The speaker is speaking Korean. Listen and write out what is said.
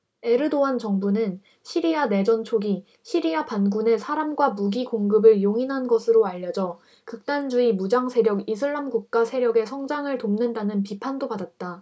에르도안 정부는 시리아 내전 초기 시리아 반군에 사람과 무기 공급을 용인한 것으로 알려져 극단주의 무장세력 이슬람국가 세력의 성장을 돕는다는 비판도 받았다